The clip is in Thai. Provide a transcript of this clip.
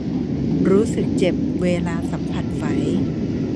รู้สึกเจ็บเวลาสัมผัสไฝ